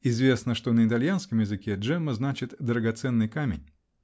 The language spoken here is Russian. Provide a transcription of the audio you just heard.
(Известно, что на итальянском языке Джемма значит: драгоценный камень.